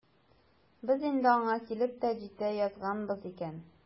Без инде аңа килеп тә җитә язганбыз икән.